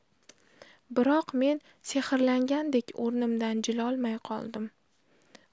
biroq men sehrlangandek o'rnimdan jilolmay qoldim